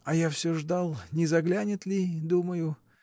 — А я всё ждал — не заглянет ли, думаю.